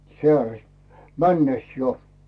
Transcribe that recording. säärestä mennessä jo